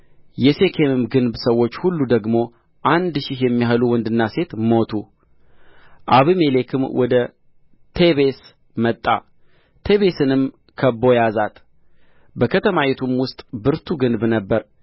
የሴኬምም ግንብ ሰዎች ሁሉ ደግሞ አንድ ሺህ የሚያህሉ ወንድና ሴት ሞቱ አቤሜሌክም ወደ ቴቤስ መጣ ቴቤስንም ከብቦ ያዛት በከተማይቱም ውስጥ ብርቱ ግንብ ነበረ